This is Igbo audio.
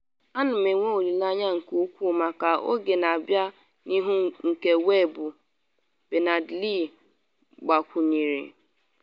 “A na m enwe olile anya nke ukwuu maka oge na-abịa n’ihu nke weebu,” Berners-Lee gbakwunyere.